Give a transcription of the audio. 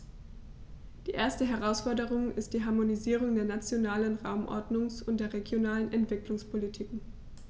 Die erste Herausforderung ist die Harmonisierung der nationalen Raumordnungs- und der regionalen Entwicklungspolitiken.